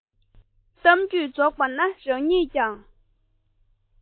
གཏམ རྒྱུད རྫོགས པ ན རང ཉིད ཀྱང